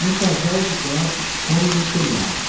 um casal de gatos come no telhado